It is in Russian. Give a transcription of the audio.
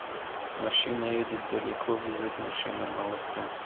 машина едет далеко везет машина молоко